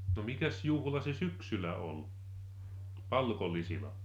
no mikäs juhla se syksyllä oli palkollisilla